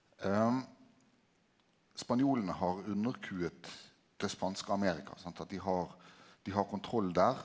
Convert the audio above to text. spanjolane har underkua det spanske Amerika sant at dei har dei har kontroll der.